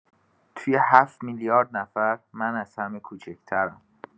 توی ۷ میلیارد نفر، من از همه کوچک‌ترم!